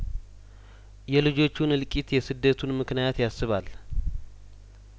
የልጆቹን እልቂት የስደቱንምክንያት ያስባል